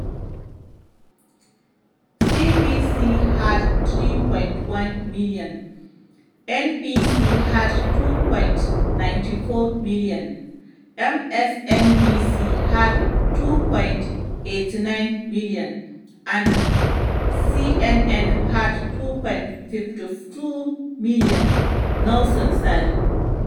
CBS had 3.1 million, NBC had 2.94 million, MSNBC had 2.89 million and CNN had 2.52 million, Nielsen said.